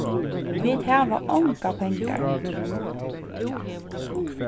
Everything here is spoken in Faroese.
vit hava ongar pengar